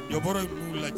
Bɔra'u lajɛ